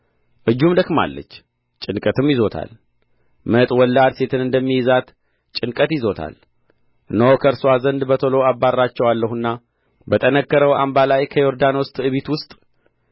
እጁም ደክማለች ጭንቀትም ይዞታል ምጥ ወላድ ሴትን እንደሚይዛት ጭንቀት ይዞታል እነሆ ከእርስዋ ዘንድ በቶሎ አባርራቸዋለሁና በጠነከረው አምባ ላይ ከዮርዳኖስ ትዕቢት ውስጥ